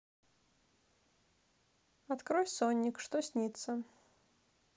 открой sonic что снится